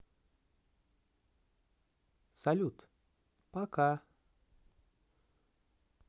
салют пока